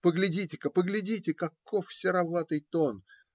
Поглядите-ка, поглядите, каков сероватый тон!